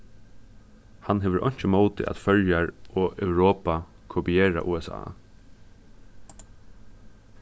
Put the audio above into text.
hann hevur einki ímóti at føroyar og europa kopiera usa